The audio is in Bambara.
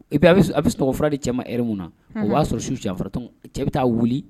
A bɛ tɔgɔɔgɔura de cɛ ma min na o y'a sɔrɔ su cɛ bɛ taa wuli